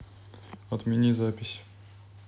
отмени запись